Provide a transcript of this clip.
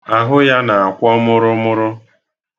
Ahụ ya na-akwọ mụrụmụrụ.